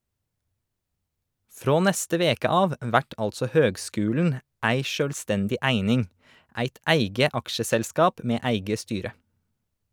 Frå neste veke av vert altså høgskulen ei sjølvstendig eining, eit eige aksjeselskap med eige styre.